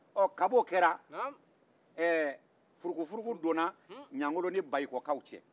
k'a bo kɛra furugufurugu donna bayikɔ kaw cɛ